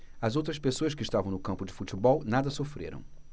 as outras pessoas que estavam no campo de futebol nada sofreram